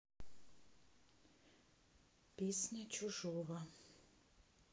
песня чужого